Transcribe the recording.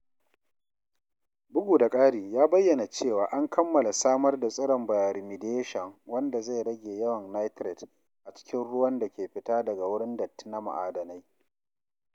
Bugu da ƙari, ya bayyana cewa an kammala samar da tsiron bioremediation wanda zai rage yawan nitrate a cikin ruwan da ke fita daga wurin datti na ma’adanai